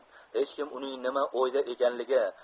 hech kim uning nima o'yda ekanligi